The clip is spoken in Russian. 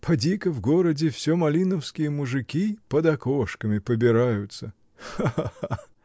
Поди-ка, в городе всё малиновские мужики под окошками побираются. Ха-ха-ха!